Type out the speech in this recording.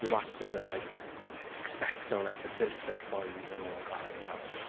Fi wastad yn like ecsbectio like the built up boys and all of that you know?